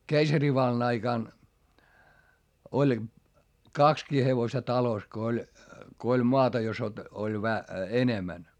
keisarivallan aikana oli kaksikin hevosta talossa kun oli kun oli maata jos - oli - enemmän